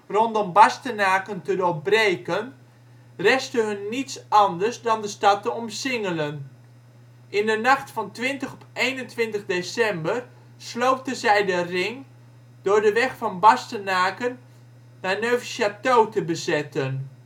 rondom Bastenaken te doorbreken, restte hun niets anders dan de stad te omsingelen. In de nacht van 20 op 21 december sloten zij de ring door de weg van Bastenaken naar Neufchâteau te bezetten